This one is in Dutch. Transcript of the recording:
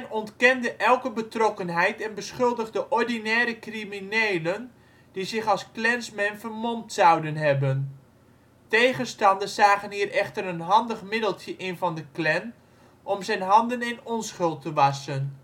ontkende elke betrokkenheid en beschuldigde ordinaire criminelen die zich als Klansmen vermomd zouden hebben. Tegenstanders zagen hier echter een handig middeltje in van de Klan om zijn handen in onschuld te wassen